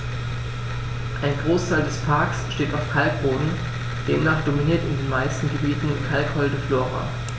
Ein Großteil des Parks steht auf Kalkboden, demnach dominiert in den meisten Gebieten kalkholde Flora.